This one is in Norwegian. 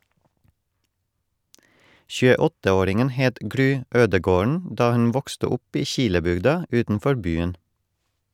28-åringen het Gry Ødegaarden da hun vokste opp i Kilebygda utenfor byen.